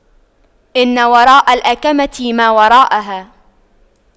إن وراء الأَكَمةِ ما وراءها